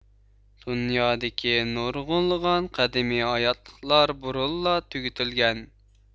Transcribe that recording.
دۇنيادىكى نۇرغۇنلىغان قەدىمىي ھاياتلىقلار بۇرۇنلا تۈگىتىلگەن